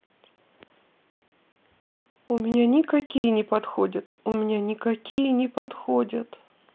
у меня никакие не подходят у меня никакие не подходят